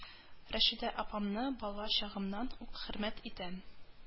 Рәшидә апамны бала чагымнан ук хөрмәт итәм